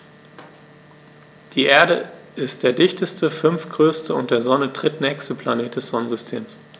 Die Erde ist der dichteste, fünftgrößte und der Sonne drittnächste Planet des Sonnensystems.